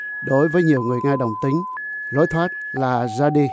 đối với nhiều người nga đồng tính lối thoát là ra đi